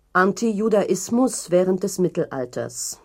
Antijudaismus während des Mittelalters